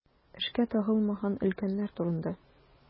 Эшкә тыгылмаган өлкәннәр турында.